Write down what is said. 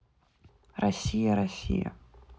россия россия